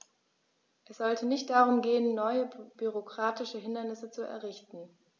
Es sollte nicht darum gehen, neue bürokratische Hindernisse zu errichten.